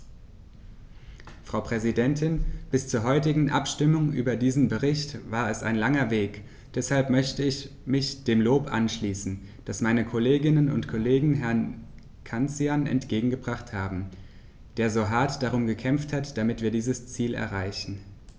Frau Präsidentin, bis zur heutigen Abstimmung über diesen Bericht war es ein langer Weg, deshalb möchte ich mich dem Lob anschließen, das meine Kolleginnen und Kollegen Herrn Cancian entgegengebracht haben, der so hart darum gekämpft hat, damit wir dieses Ziel erreichen.